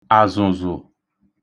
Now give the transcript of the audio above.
àzụ̀zụ̀